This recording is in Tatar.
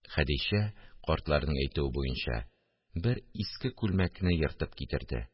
Хәдичә, картларның әйтүе буенча, бер иске күлмәкне ертып китерде